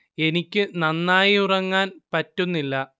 എനിക്ക് നന്നായി ഉറങ്ങാൻ പറ്റുന്നില്ല